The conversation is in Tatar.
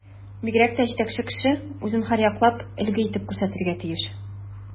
Бигрәк тә җитәкче кеше үзен һәрьяклап өлге итеп күрсәтергә тиеш.